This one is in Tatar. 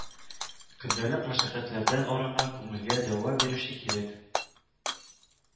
Көндәлек мәшәкатьләрдән арыган күңелгә дәва бирүче кирәк